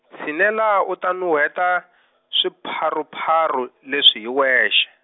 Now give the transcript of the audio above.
tshinela u ta nuhweta, swiphyaruphyaru leswi hi wexe.